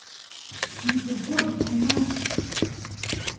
незаводица на